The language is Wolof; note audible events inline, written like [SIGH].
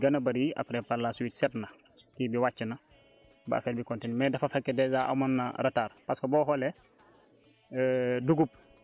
par la suite bu ndox bi [HESITATION] tawee tool yi gën a bëri après par la suite set na kii bi wàcc na ba affaire bi continuer mais dama fekk dèjà amoon na retard